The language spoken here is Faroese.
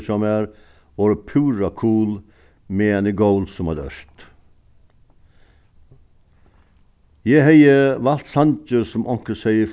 hjá mær vóru púra kul meðan eg gól sum eitt ørt eg hevði valt sangir sum onkur segði